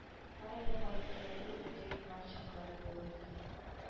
Карале гайниянең дә юмарт чаклары булыр икән